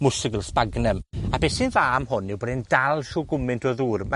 mwswgl, Sbagnum. A be' sy'n dda am hwn yw bod e'n dal shw gwmynt o ddŵr. Mae